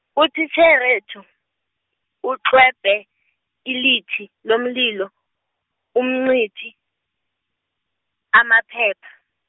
utitjherethu, utlwebhe ilithi lomlilo, umcithi, amaphepha.